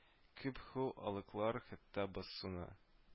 Күп ху алыклар хәтта бу суны